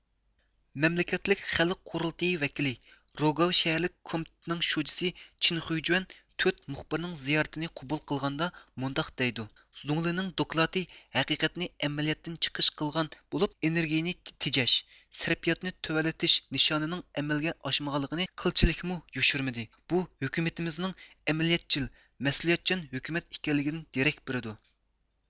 مەملىكەتلىك خەلق قۇرۇلتىيى ۋەكىلى رۇگاۋ شەھەرلىك كومىتېتنىڭ شۇجىسى چېنخۈيجۆەن تۆت مۇخبىرنىڭ زىيارىتىنى قوبۇل قىلغاندا مۇنداق دەيدۇ زۇڭلىنىڭ دوكلاتى ھەقىقەتنى ئەمەلىيەتتىن چىقىش قىلغان بولۇپ ئېنېرگىيىنى تېجەش سەرپىياتنى تۆۋەنلىتىش نىشانىنىڭ ئەمەلگە ئاشمىغانلىقىنى قىلچىلىكمۇ يوشۇرمىدى بۇ ھۆكۈمىتىمىزنىڭ ئەمەلىيەتچىل مەسئۇلىيەتچان ھۆكۈمەت ئىكەنلىكىدىن دېرەك بېرىدۇ